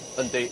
Yndi.